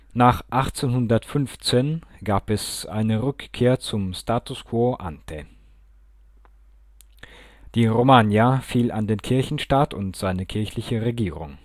Nach 1815 gab es eine Rückkehr zum Status quo ante. Die Romagna fiel an den Kirchenstaat und seine kirchliche Regierung